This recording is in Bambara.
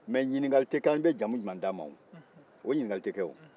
nka ɲininkali tɛ kɛ an bɛ jamu jumɛn d'a ma o ɲininkali tɛ kɛ